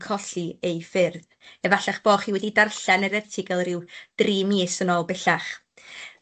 ###colli ei ffyrdd efalla'ch bo' chi wedi darllen yr erthygl ryw dri mis yn ôl bellach.